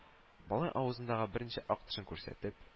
Малай, авызындагы беренче ак тешен күрсәтеп